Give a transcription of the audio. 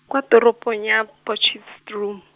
kwa toropong ya Potchefstroom.